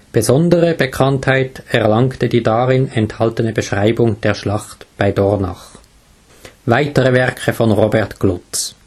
Besondere Bekanntheit erlangte die darin enthaltene Beschreibung der Schlacht bei Dornach. Weitere Werke von Robert Glutz